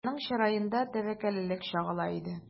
Аның чыраенда тәвәккәллек чагыла иде.